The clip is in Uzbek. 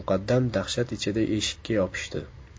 muqaddam dahshat ichida eshikka yopishdi